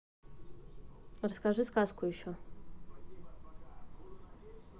расскажи сказку еще